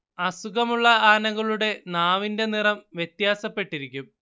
അസുഖം ഉള്ള ആനകളുടെ നാവിന്റെ നിറം വ്യത്യാസപ്പെട്ടിരിക്കും